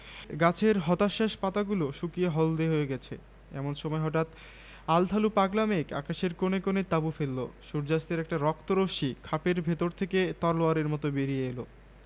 বৃষ্টি পরছে অন্ধকার আরো ঘন হয়ে এল মেয়েটি স্থির দাঁড়িয়ে আদি জুগে সৃষ্টির মুখে প্রথম কথা জেগেছিল জলের ভাষায় হাওয়ার কণ্ঠে লক্ষ কোটি বছর পার হয়ে